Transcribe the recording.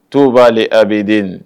Tout va aller habibin